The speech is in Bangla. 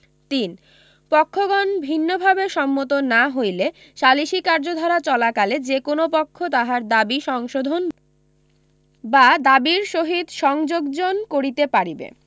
৩ পক্ষগণ ভিন্নভাবে সম্মত না হইলে সালিসী কার্যধারা চলাকালে যে কোন পক্ষ তাহার দাবী সংশোধন বা দাবীর সহিত সংযোগজন করিতে পারিবে